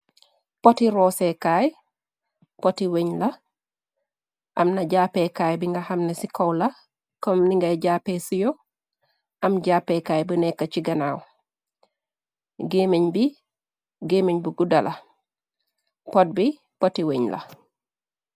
poti rosekaay poti weñ la amna jàppeekaay bi nga xamna ci kow la kom ni ngay jàppe siyo am jàppekaay bu nekka ci ganaaw géeméñ bi géeméñ bu guddala pot bi poti weñ la